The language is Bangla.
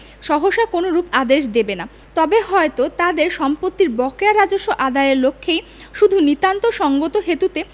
সহসা কোনরূপ আদেশ দেবেনা তবে হযরত তাদের সম্পত্তির বকেয়া রাজস্ব আদায়ের লক্ষেই শুধু নিতান্ত সঙ্গতহেতুতে